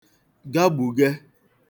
gagbùge